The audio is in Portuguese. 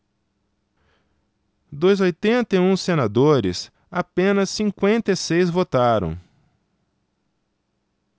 dos oitenta e um senadores apenas cinquenta e seis votaram